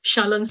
Sialens...